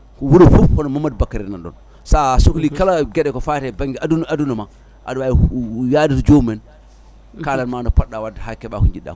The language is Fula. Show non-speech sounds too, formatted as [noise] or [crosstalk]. wuuru foof kono Mamadou Bakary en nanɗon sa sohli kala gueɗe ko fate e banggue aduna aduna ma aɗa wawi [hesitation] yaade to jomum en kalanma no poɗɗa wadde ha keeɓa ko jiɗɗa ko